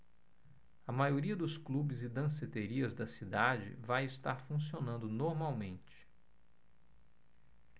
a maioria dos clubes e danceterias da cidade vai estar funcionando normalmente